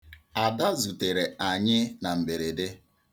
Ada zutere anyị na mberede.